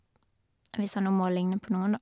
Hvis han nå må ligne på noen, da.